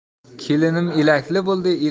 kelinim elakli bo'ldi